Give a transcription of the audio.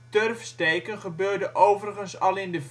Turfsteken gebeurde overigens al in de